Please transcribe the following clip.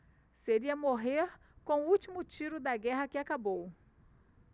seria morrer com o último tiro da guerra que acabou